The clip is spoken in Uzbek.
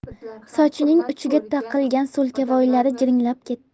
sochining uchiga taqilgan so'lkavoylari jiringlab ketdi